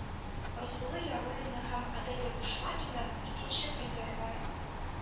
Айсылу Яруллина һәм Аделя Бушмакина – икенче призерлар.